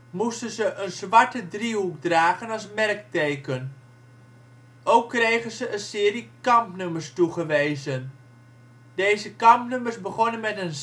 moesten ze een zwarte driehoek dragen als merkteken. Ook kregen ze een serie kampnummers toegewezen. Deze kampnummers begonnen